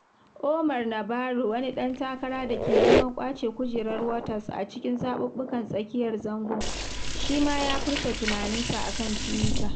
Omar Navarro, wani ɗan takara da ke neman ƙwace kujerar Waters a cikin zaɓuɓɓukan tsakiyar zango, shi ma ya furta tunaninsa a kan Twitter.